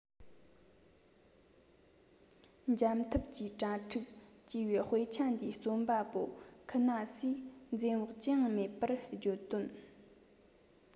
འཇམ འཐབ ཀྱི དྭ ཕྲུག ཅེས པའི དཔེ ཆ དེའི རྩོམ པ པོ ཁི ན སིས འཛེམ བག ཅི ཡང མེད པར བརྗོད དོན